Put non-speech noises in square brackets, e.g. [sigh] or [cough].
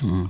[hesitation]